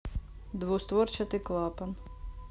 двустворчатый клапан